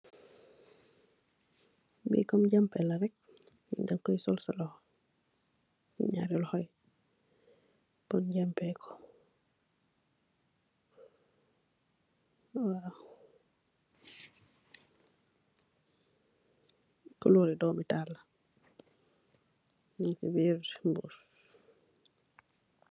Bi Kom njampeh la rk, nga koiy sol sa lokhor, njarri lokhor yii pur njampeh kor, waw. Couleuru dormi taal la mung chi birr mbuss.